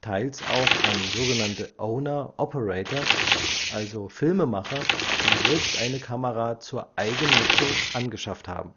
teils auch an sogenannte „ Owner/Operator “, also Filmemacher, die selbst eine Kamera zur Eigennutzung angeschafft haben